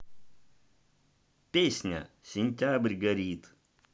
песня сентябрь горит